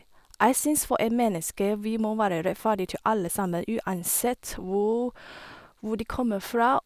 Jeg syns for en menneske vi må være rettferdig til alle sammen uansett hvor hvor de kommer fra.